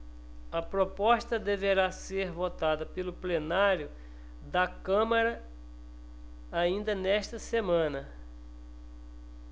a proposta deverá ser votada pelo plenário da câmara ainda nesta semana